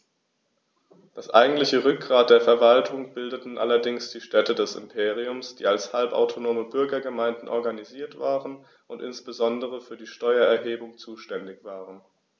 Das eigentliche Rückgrat der Verwaltung bildeten allerdings die Städte des Imperiums, die als halbautonome Bürgergemeinden organisiert waren und insbesondere für die Steuererhebung zuständig waren.